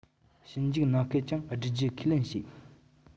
ཞིབ འཇུག གནང སྐབས ཀྱང བསྒྲུབ རྒྱུ ཁས ལེན བྱེད